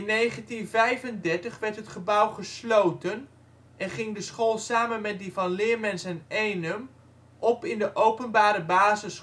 1935 werd het gebouw gesloten en ging de school samen met die van Leermens en Eenum op in de openbare basisschoolbij de Dieftil